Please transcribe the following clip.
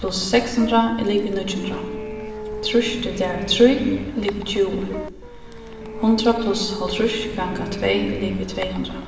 pluss seks hundrað er ligvið níggju hundrað trýss dividerað við trý ligvið tjúgu hundrað pluss hálvtrýss ganga tvey er ligvið tvey hundrað